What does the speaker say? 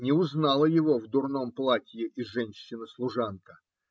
Не узнала его в дурном платье и женина служанка.